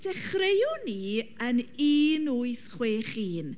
dechreuwn ni yn un wyth chwech un.